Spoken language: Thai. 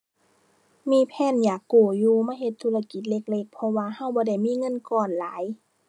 มีแพลนอยากกู้อยู่ มาเฮ็ดธุรกิจเล็กเล็ก เพราะว่าเราบ่ได้มีเงินก้อนหลาย